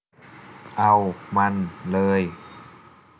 เอามันเลย